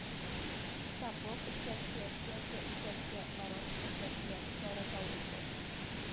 Тамбов өлкәсе, Пенза өлкәсе, Воронеж өлкәсе, Сарытау өлкәсе